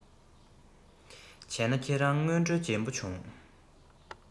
བྱས ན ཁྱེད རང དངོས འབྲེལ འཇོན པོ བྱུང